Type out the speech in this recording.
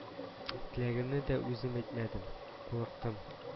Теләгемне дә үзем әйтмәдем, курыктым